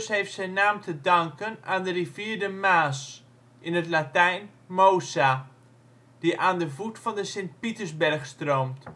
heeft zijn naam te danken aan de rivier de Maas (Latijn: Mosa) die aan de voet van de Sint Pietersberg stroomt